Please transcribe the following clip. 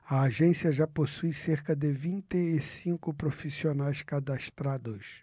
a agência já possui cerca de vinte e cinco profissionais cadastrados